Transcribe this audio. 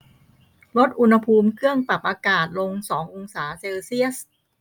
ลดอุณหภูมิเครื่องปรับอากาศลงสององศาเซลเซียส